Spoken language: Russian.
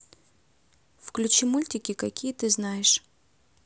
включи мультики какие ты знаешь